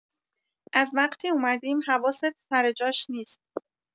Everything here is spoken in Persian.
از وقتی اومدیم، حواست سر جاش نیست.